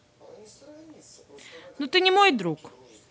но ты не мой друг